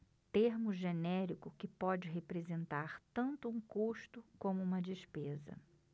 termo genérico que pode representar tanto um custo como uma despesa